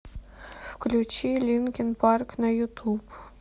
включи линкин парк на ютуб